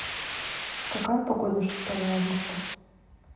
какая погода шестого августа